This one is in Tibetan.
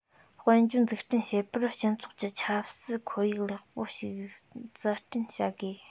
དཔལ འབྱོར འཛུགས སྐྲུན བྱེད པར སྤྱི ཚོགས ཀྱི ཆབ སྲིད ཁོར ཡུག ལེགས པོ ཞིག གསར སྐྲུན བྱ དགོས